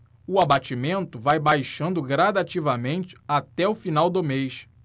o abatimento vai baixando gradativamente até o final do mês